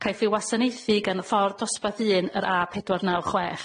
caiff ei wasanaethu gan y ffordd dosbarth un yr a pedwar naw chwech.